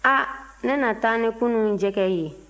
a ne na taa ni kununjɛgɛ ye